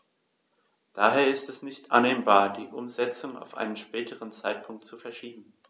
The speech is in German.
Daher ist es nicht annehmbar, die Umsetzung auf einen späteren Zeitpunkt zu verschieben.